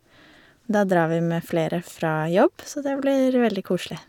Da drar vi med flere fra jobb, så det blir veldig koselig.